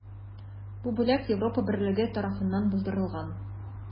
Бу бүләк Европа берлеге тарафыннан булдырылган.